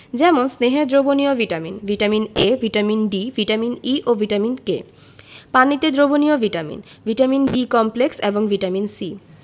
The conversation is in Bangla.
যেমন স্নেহে দ্রবণীয় vitamin vitamin A vitamin D vitamin E ও ভিটামিন K পানিতে দ্রবণীয় ভিটামিন ভিটামিন B কমপ্লেক্স এবং ভিটামিন C